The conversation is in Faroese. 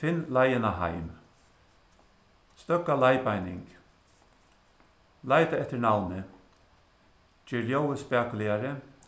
finn leiðina heim støðga leiðbeining leita eftir navni ger ljóðið spakuligari